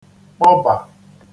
kpọbà